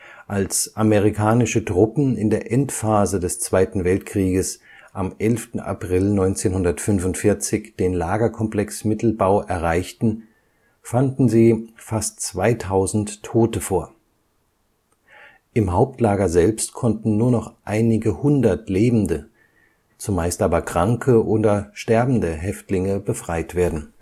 Als amerikanische Truppen in der Endphase des Zweiten Weltkrieges am 11. April 1945 den Lagerkomplex Mittelbau erreichten, fanden sie fast 2.000 Tote vor. Im Hauptlager selbst konnten nur noch einige Hundert lebende, zumeist aber kranke oder sterbende Häftlinge befreit werden